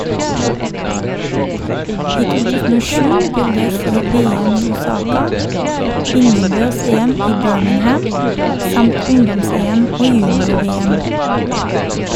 I 2007 vil det si VM i Osaka , innendørs-EM i Birmingham , samt ungdoms-EM og junior-VM.